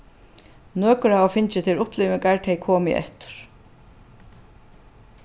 nøkur hava fingið tær upplivingar tey komu eftir